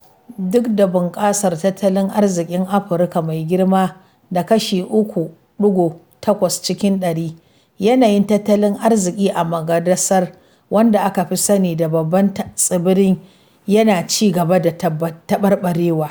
Duk da bunƙasar tattalin arzikin Afirka mai girma da kashi 3.8 cikin ɗari, yanayin tattalin arziki a Madagaskar, wanda aka fi sani da Babban Tsibiri, yana ci gaba da tabarbarewa.